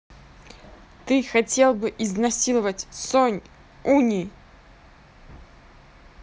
ты хотел бы изнасиловать сонь уни